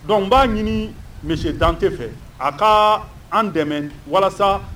Dɔnku b'a ɲini misi dante fɛ a ka an dɛmɛ walasa